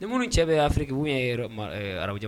Ni minnu cɛ bɛ Afrique ou bien e, maro, arbujaman